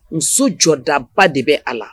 Muso jɔdaba de bɛ a la